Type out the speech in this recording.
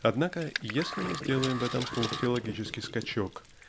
Однако если мы сделаем в этом пункте логический скачок